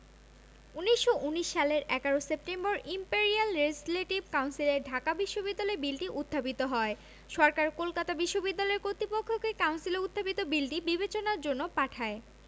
১৯১৯ সালের ১১ September imperial legislative কাউন্সিলে ঢাকা বিশ্ববিদ্যালয় বিলটি উত্থাপিত হয় সরকার কলকাতা বিশ্ববিদ্যালয় কর্তৃপক্ষকে কাউন্সিলে উত্থাপিত বিলটি বিবেচনার জন্য পাঠায়